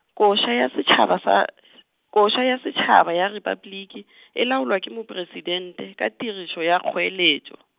koša ya setšhaba sa s-, koša ya setšhaba ya Repabliki , e laolwa ke mopresitente, ka tirišo ya kgoeletšo.